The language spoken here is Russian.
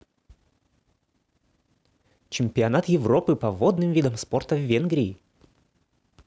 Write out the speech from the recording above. чемпионат европы по водным видам спорта в венгрии